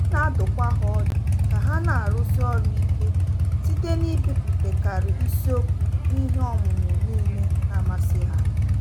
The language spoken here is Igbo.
M na-adụkwa ha ọdụ ka ha na-arụsi ọrụ ike site n’ibipụtakarị isiokwu n’ihe ọmụmụ niile na-amasị ha.